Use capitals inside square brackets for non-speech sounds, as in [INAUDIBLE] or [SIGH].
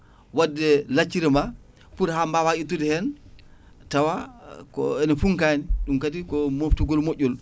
wadde lacciri ma pour ha mbawa hittude hen tawa [HESITATION] ko ene funkani ɗum kadi moftugol moƴƴol